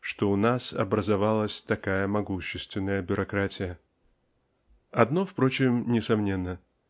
что у нас образовалась такая могущественная бюрократия? Одно впрочем несомненно